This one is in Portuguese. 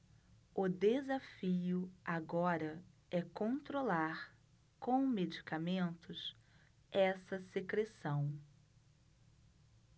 o desafio agora é controlar com medicamentos essa secreção